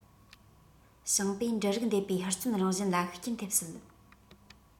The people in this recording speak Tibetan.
ཞིང པའི འབྲུ རིགས འདེབས པའི ཧུར བརྩོན རང བཞིན ལ ཤུགས རྐྱེན ཐེབས སྲིད